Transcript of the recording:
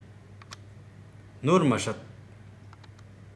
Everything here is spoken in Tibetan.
ནོར མི སྲིད